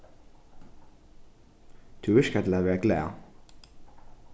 tú virkar til at vera glað